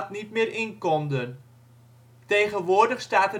niet meer in konden. Tegenwoordig staat